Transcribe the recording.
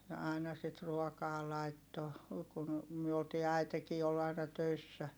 ja aina sitten ruokaa laittoi kun me oltiin äitikin oli aina töissä